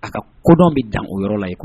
A ka kodɔn bɛ dan o yɔrɔ la yen quoi